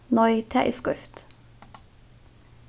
nei tað er skeivt